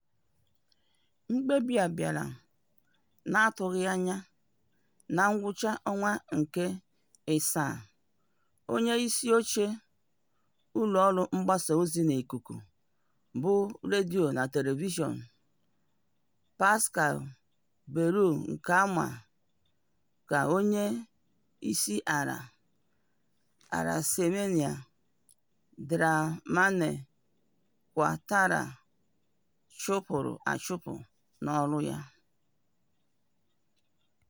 Mkpebi a bịara n'atụghịanya na ngwụcha Julaị: Onyeisi oche RTI (Ivorian Radio na Television),Pascal Brou Aka, ka Onyeisiala Alassane Dramane Ouattara, chụpụrụ achụpụ n'ọrụ ya.